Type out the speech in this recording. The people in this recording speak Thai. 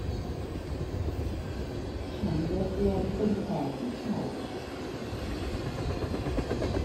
ฉันรถล้มเป็นแผลที่เข่า